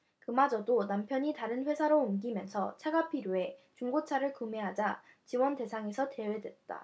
그마저도 남편이 다른 회사로 옮기면서 차가 필요해 중고차를 구매하자 지원대상에서 제외됐다